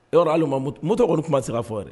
I b'a dɔn hali u ma mot moto kɔni kuma te se ka fɔ yɛrɛ